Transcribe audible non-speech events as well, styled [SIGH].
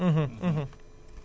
[HESITATION] [HESITATION]